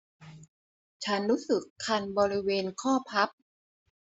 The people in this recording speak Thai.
ฉันรู้สึกคันบริเวณข้อพับ